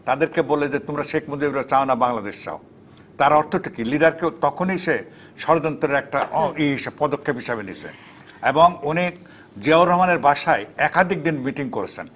তাদেরকে বলে যে তোমরা শেখ মুজিব রে চাও না বাংলাদেশ চাও তার অর্থটা কি লিডার কে তখনই সে ষড়যন্ত্র একটা পদক্ষেপ হিসাবে নিসে এবং উনি জিয়াউর রহমানের বাসায় একাধিক দিন মিটিং করছেন